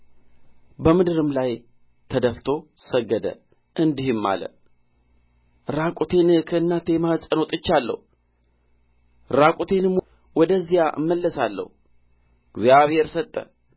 በምድርም ላይ ተደፍቶ ሰገደ እንዲህም አለ ራቁቴን ከእናቴ ማኅፀን ወጥቻለሁ ራቁቴንም ወደዚያ እመለሳለሁ እግዚአብሔር ሰጠ